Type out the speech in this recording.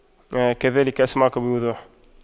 كذلك أسمعك بوضوح